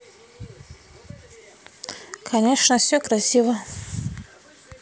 конечно все красиво